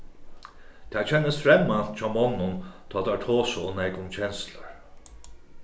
tað kennist fremmant hjá monnum tá teir tosa ov nógv um kenslur